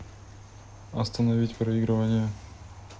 остановить проигрывание